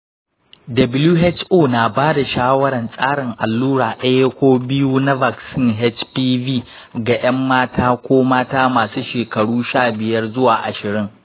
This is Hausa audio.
who na bada shawarar tsarin allura daya ko biyu na vaccine hpv ga yan mata da mata masu shekaru sha biyar zuwa ashirin.